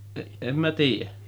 emme tiedä